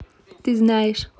ты знаешь